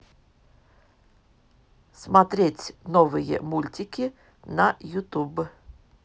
смотреть новые мультики на ютуб